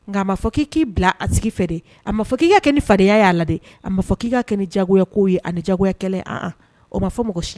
Nka a ma fɔ k'i k'i bila a tigi fɛ dɛ, a ma fɔ k'i ka kɛ ni fadenya y'a la dɛ, a ma fɔ k'i kɛ nin jdiyagoyako ye, a jagoya kɛlɛ, an an, o ma fɔ mɔgɔ si ye